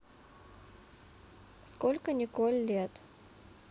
сколько николь лет